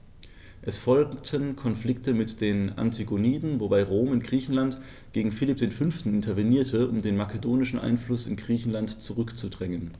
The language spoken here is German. Es folgten Konflikte mit den Antigoniden, wobei Rom in Griechenland gegen Philipp V. intervenierte, um den makedonischen Einfluss in Griechenland zurückzudrängen.